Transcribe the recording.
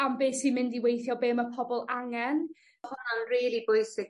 am beth sy'n mynd i weithio be' ma' pobol angen. Ma' hwnna'n rili bwysig